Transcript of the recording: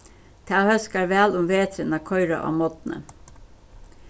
tað hóskar væl um veturin at koyra á morgni